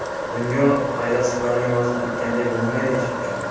dunyo faylasuflaring yozib ketganday bo'lmaydi hech qachon